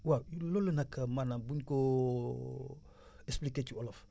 waaw loolu nag maanaam buñu koo expliqué ci olof